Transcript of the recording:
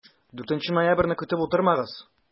4 ноябрьне көтеп утырмагыз!